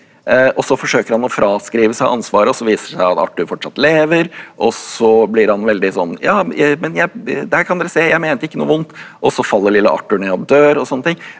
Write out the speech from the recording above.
og så forsøker han å fraskrive seg ansvaret og så viser det seg at Arthur fortsatt lever og så blir han veldig sånn ja men jeg der kan dere se jeg mente ikke noe vondt og så faller lille Arthur ned og dør og sånne ting.